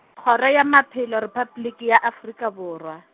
kgoro ya Maphelo Repabliki ya Afrika Borwa.